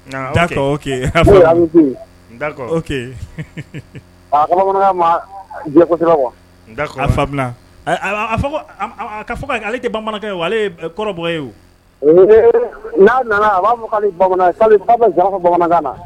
Ma fɔ ale bamanan ale kɔrɔ bɔ ye n'a nana a b'a bamanankan